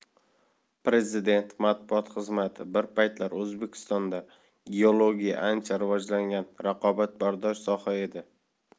prezident matbuot xizmati bir paytlar o'zbekistonda geologiya ancha rivojlangan raqobatbardosh soha edi